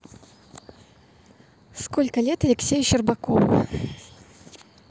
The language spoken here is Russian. сколько лет алексею щербакову